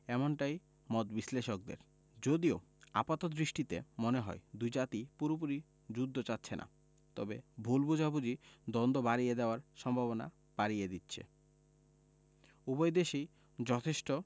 এমনটাই মত বিশ্লেষকদের যদিও আপাতদৃষ্টিতে মনে হয় দুই জাতিই পুরোপুরি যুদ্ধ চাচ্ছে না তবে ভুল বোঝাবুঝি দ্বন্দ্ব বাড়িয়ে দেওয়ার সম্ভাবনা বাড়িয়ে দিচ্ছে উভয় দেশেই যথেষ্ট